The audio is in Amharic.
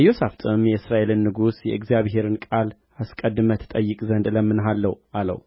ኢዮሣፍጥም የእስራኤልን ንጉሥ የእግዚአብሔርን ቃል አስቀድመህ ትጠይቅ ዘንድ እለምንሃለሁ አለው